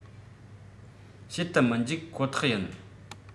བྱེད དུ མི འཇུག ཁོ ཐག ཡིན